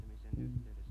mm